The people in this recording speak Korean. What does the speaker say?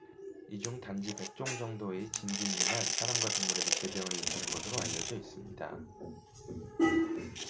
이 중 단지 백 종 정도의 진균류만 사람과 동물에게 질병을 일으키는 것으로 알려져 있습니다